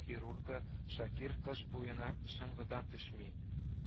Хирургы шакир кыш буена чыңгыдан төшми